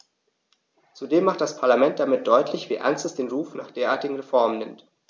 Zudem macht das Parlament damit deutlich, wie ernst es den Ruf nach derartigen Reformen nimmt.